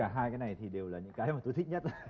cả hai cái này thì đều là những cái mà tôi thích nhất